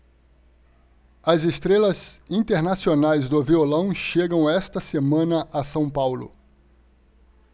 as estrelas internacionais do violão chegam esta semana a são paulo